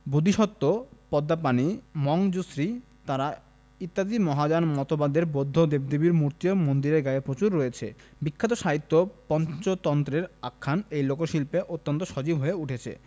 বোধিসত্ত্ব পদ্মপাণিমঞ্জুশ্রী তারা ইত্যাদি মহাযান মতবাদের বৌদ্ধ দেবদেবীর মূর্তিও মন্দিরের গায়ে প্রচুর রয়েছে বিখ্যাত সাহিত্য পঞ্চতন্ত্রের আখ্যান এই লোকশিল্পে অত্যন্ত সজীব হয়ে উঠেছে